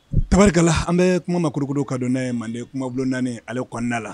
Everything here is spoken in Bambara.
Tabarikala an bɛ kuma ma kolokolo ka don n'a ye manden kuma bon 4 ale kɔnɔna la.